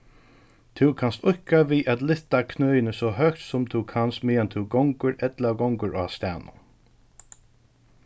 tú kanst íðka við at lyfta knøini so høgt sum tú kanst meðan tú gongur ella gongur á staðnum